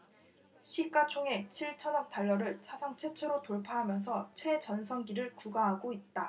시가 총액 칠 천억 달러를 사상 최초로 돌파하면서 최전성기를 구가하고 있다